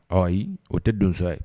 Ɔɔ ayi o te donsoya ye